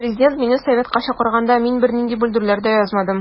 Президент мине советка чакырганда мин бернинди белдерүләр дә язмадым.